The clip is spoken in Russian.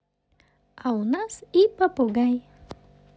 а у нас и попугай